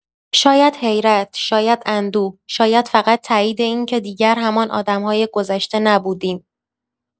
شاید حیرت، شاید اندوه، شاید فقط تایید این‌که دیگر همان آدم‌های گذشته نبودیم.